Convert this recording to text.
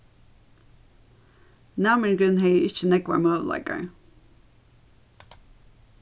næmingurin hevði ikki nógvar møguleikar